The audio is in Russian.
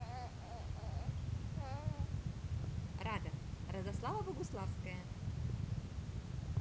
рада радослава богуславская